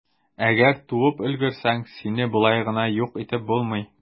Әгәр туып өлгерсәң, сине болай гына юк итеп булмый.